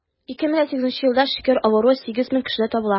2008 елда шикәр авыруы 8 мең кешедә табыла.